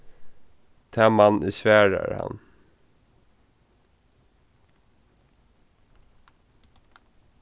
tað man eg svarar hann